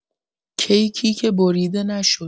کیکی که بریده نشد.